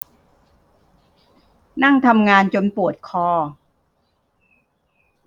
นั่งทำงานจนปวดคอ